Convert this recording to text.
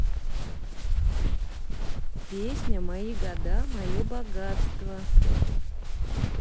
песня мои года мое богатство